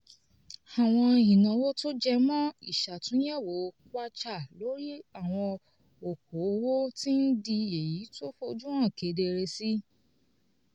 Àwọn ìnáwó tó jẹmọ́ ìṣå̀túnyẹ̀wò Kwacha lórí àwọn okoòwò ti ń di èyí tó fojúhan kedere sí i.